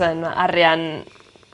...in arian